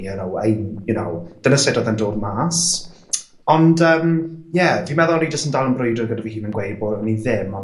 you know I'm you know*. Dyna sud odd e'n dod mas ond yym ie, dwi meddwl o'n i jyst yn dal yn brwydro gyda fy hun yn gweud bo' o'n i ddim ond